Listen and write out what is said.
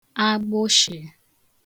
agbụshị̀